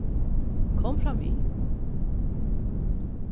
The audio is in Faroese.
kom framvið